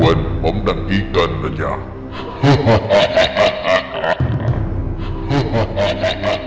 và đừng quên bấm đăng ký kênh đó nha hahahahahahaha